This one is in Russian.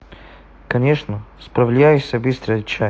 конечно справляйся быстрей отвечай